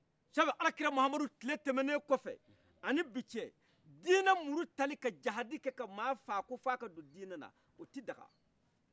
saba alakira mamadu tile tɛmɛ ne kɔfɛ ani bi cɛ dinɛ muru tali ka jahadi kɛ ka ma fa ko f'a ka don dinɛna o ti daka